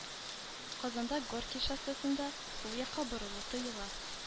Казанда Горький шоссесында сул якка борылу тыела.